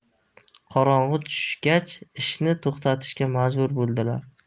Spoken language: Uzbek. qorong'i tushgach ishni to'xtatishga majbur bo'ldilar